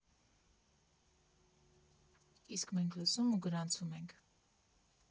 Իսկ մենք լսում ու գրանցում ենք։